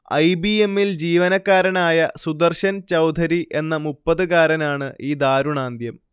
I. B. എ. മ്മി ൽ ജീവനക്കാരനായ സുദർശൻ ചൗധരി എന്ന മുപ്പത്കാരനാണ് ഈ ദാരുണാന്ത്യം